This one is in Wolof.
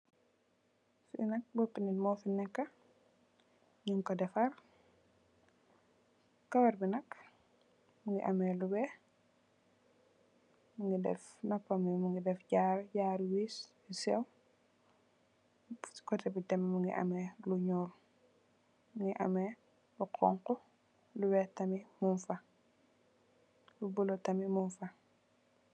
Fee nak bope neet mufe neka nugku defarr kawarr be nak muge ameh lu weex muge def nopam ye nuge def jaaru jaaru wees yu seew se koteh be tamin muge ameh lu nuul muge ameh lu xonxo lu weex tamin mugfa lu bulo tamin mugfa.